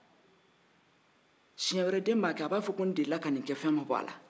siɲɛ wɛrɛ den b'a kɛ a b'a fɔ ko n delila ka nin ke ko fɛn ma bɔ la